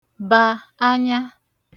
bà anya